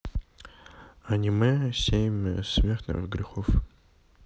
аниме семь смертных грехов